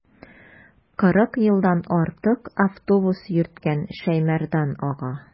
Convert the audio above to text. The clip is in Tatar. Кырык елдан артык автобус йөрткән Шәймәрдан ага.